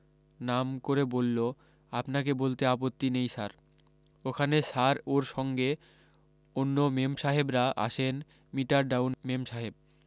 নাম করে বললো আপনাকে বলতে আপত্তি নেই স্যার এখানে স্যার ওর সঙ্গে অন্য মেমসাহেবরা আসেন মিটার ডাউন মেমসাহেব